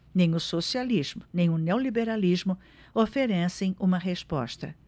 nem o socialismo nem o neoliberalismo oferecem uma resposta